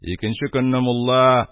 Икенче көнне мулла